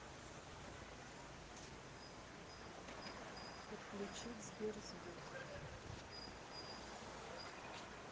подключить сбер звук